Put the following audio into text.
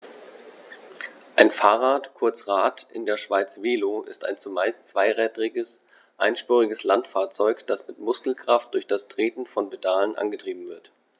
Ein Fahrrad, kurz Rad, in der Schweiz Velo, ist ein zumeist zweirädriges einspuriges Landfahrzeug, das mit Muskelkraft durch das Treten von Pedalen angetrieben wird.